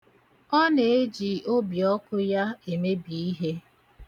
Ọ na-eji obiọkụ ya emebi ihe.